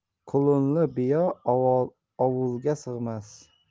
qulunli biya ovulga sig'mas